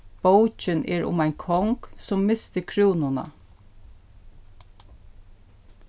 bókin er um ein kong sum misti krúnuna